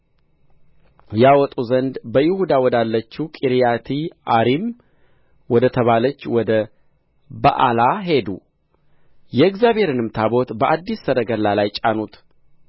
ያወጡ ዘንድ በይሁዳ ወዳለችው ቂርያትይዓሪም ወደ ተባለች ወደ በኣላ ሄዱ የእግዚአብሔርንም ታቦት በአዲስ ሰረገላ ላይ ጫኑት